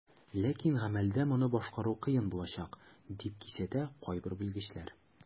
Ләкин гамәлдә моны башкару кыен булачак, дип кисәтә кайбер белгечләр.